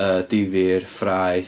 Yy difyr, ffraeth.